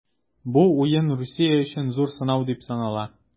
Бу уен Русия өчен зур сынау дип санала.